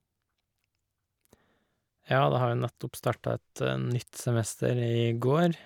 Ja, det har jo nettopp starta et nytt semester i går.